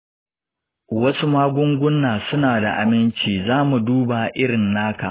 wasu magunguna suna da aminci; za mu duba irin naka.